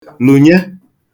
lùnye